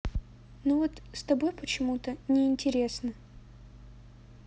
ну вот с тобой почему то не интересно